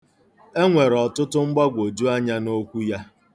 E nwere otutu mgbagwoju anya n'okwu ya.